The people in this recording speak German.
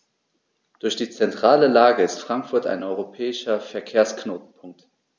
Durch die zentrale Lage ist Frankfurt ein europäischer Verkehrsknotenpunkt.